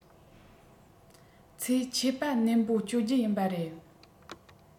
ཚེ ཆད པ ནན པོ གཅོད རྒྱུ ཡིན པ རེད